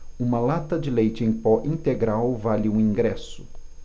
uma lata de leite em pó integral vale um ingresso